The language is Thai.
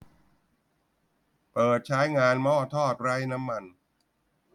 เปิดใช้งานหม้อทอดไร้น้ำมัน